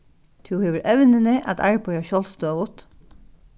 tú hevur evnini at arbeiða sjálvstøðugt